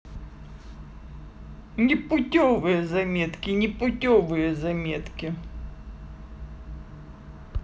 непутевые заметки непутевые заметки